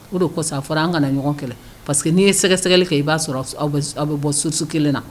O de kosɔ a fɔra an kana ɲɔgɔn kɛlɛ. Parceque ni ye sɛgɛsɛgɛli kɛi. ba sɔrɔ aw bɛɛ be bɔ source kelen na.